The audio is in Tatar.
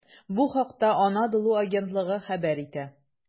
Бу хакта "Анадолу" агентлыгы хәбәр итә.